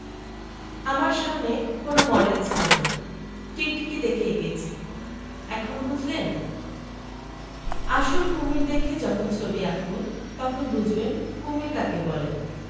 আমার সামনে কোন মডেল ছিল না টিকটিকি দেখে এঁকেছি এখন বুঝলেন আসল কুমীর দেখে যখন ছবি আঁকব তখন বুঝবেন কুমীর কাকে বলে